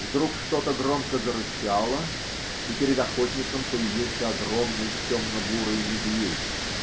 Вдруг что-то громко зарычало, и перед охотником появился огромный темно-бурый медведь.